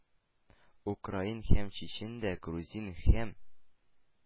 Украин һәм чечен дә, грузин һәм